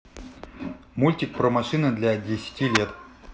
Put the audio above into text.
мультик про машины для десяти лет